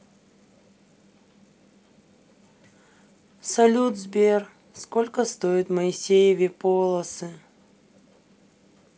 салют сбер сколько стоит моисееве полосы